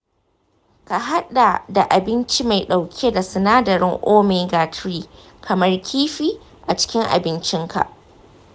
ka haɗa da abinci mai ɗauke da sinadarin omega-three, kamar kifi, a cikin abincinka.